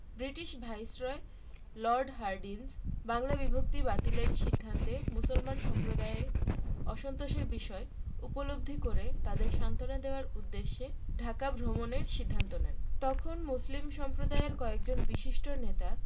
British viceroy Lord Hardinge Bangla বিভক্তি বাতিলের সিদ্ধান্তে মুসলিম সম্প্রদায়ের অসন্তোষের বিষয় উপলব্ধি করে তাদের সান্ত্বনা দেওয়ার উদ্দেশ্যে ঢাকা ভ্রমণের সিদ্ধান্ত নেন তখন মুসলিম সম্প্রদায়ের কয়েকজন বিশিষ্ট নেতা